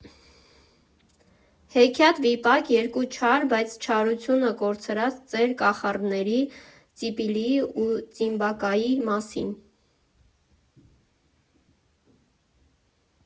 Հեքիաթ֊վիպակ երկու չար, բայց չարությունը կորցրած ծեր կախարդների՝ Ծիպիլիի ու Տիմբակայի մասին։